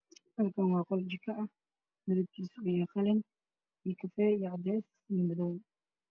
Halkan waa qol jiko ah midbakis yahay qalin io kafey io cades io madow